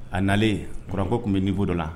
A nalen couran tun bɛ niveau dɔ la.